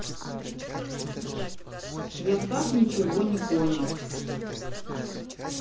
я так ничего не понял